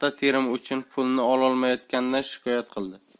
terimi uchun pulini ololmayotganidan shikoyat qildi